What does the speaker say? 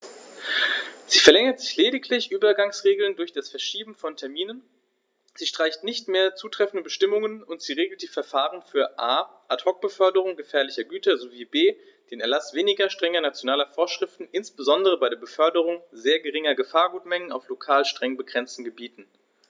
Sie verlängert lediglich Übergangsregeln durch das Verschieben von Terminen, sie streicht nicht mehr zutreffende Bestimmungen, und sie regelt die Verfahren für a) Ad hoc-Beförderungen gefährlicher Güter sowie b) den Erlaß weniger strenger nationaler Vorschriften, insbesondere bei der Beförderung sehr geringer Gefahrgutmengen auf lokal streng begrenzten Gebieten.